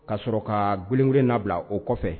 Kaa sɔrɔ ka labila o kɔfɛ.